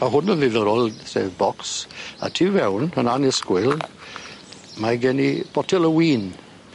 A hwn yn ddiddorol sef bocs a tu fewn yn annisgwyl mae gen i botel o win.